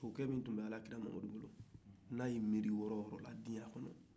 sokɛ min tun bɛ alakira mamadu bolo n'ay'i miiri diɲa yɔrɔ wo yɔrɔ la